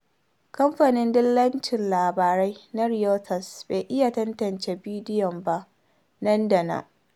Kamfanin dillacin labarai na Reuters bai iya tantance bidiyon ba nan da nan.